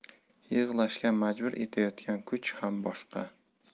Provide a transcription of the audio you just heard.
yig'lashga majbur etayotgan kuch ham boshqa